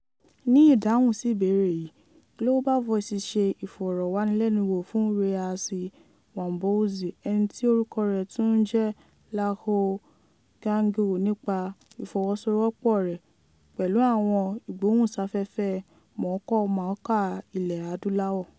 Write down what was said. Ní ìdáhùn sí ìbéèrè yìí, Global Voices ṣe ìfọ̀rọ̀wánilẹ́nuwò fún Réassi Ouabonzi, ẹni tí orúkọ rẹ̀ tún ún jẹ́ Lareus Gangoueus nípa ìfọwọ́sowọ́pọ̀ rẹ̀ pẹ̀lú àwọn ìgbóhùnsáfẹ́fẹ́ mọ̀ọ́kọmọ̀ọ́kà Ilẹ̀ Adúláwò.